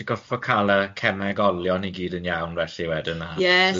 Ti gorffod ca'l y cemegolion i gyd yn iawn felly wedyn a... Ie... lefelau.